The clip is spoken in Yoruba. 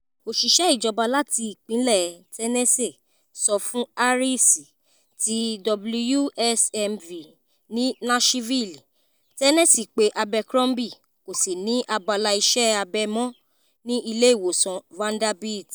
Òṣìṣẹ́ ìjọba láti ìpínlẹ̀ Tennessee sọ fún Harris ti WSMV ni Nashville, Tennessee, pé Abercrombie kò sí ní abala iṣẹ́ abẹ́ mọ́ ní Ilé Ìwòsàn Vanderbilt.